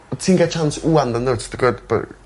On' ti'n ga'l chance ŵan yndwt ti gwod bod